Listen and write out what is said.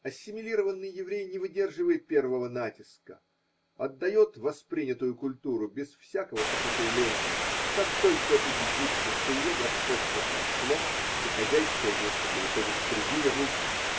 Ассимилированный еврей не выдерживает первого натиска, отдает воспринятую культуру без всякого сопротивления, как только убедится, что ее господство прошло и хозяйское место переходит в другие руки.